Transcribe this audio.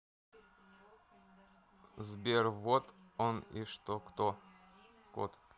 сбер вот он и что кот